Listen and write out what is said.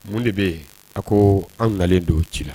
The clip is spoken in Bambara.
Mun de bɛ yen a ko an nalen don cila